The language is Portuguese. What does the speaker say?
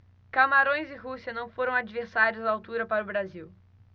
camarões e rússia não foram adversários à altura para o brasil